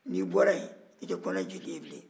n'i bɔra yen i tɛ kɔnɛ jeli ye tun